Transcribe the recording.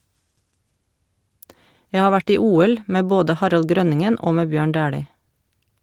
Jeg har vært i OL med både Harald Grønningen og med Bjørn Dæhlie.